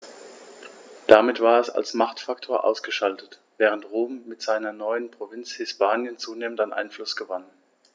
Damit war es als Machtfaktor ausgeschaltet, während Rom mit seiner neuen Provinz Hispanien zunehmend an Einfluss gewann.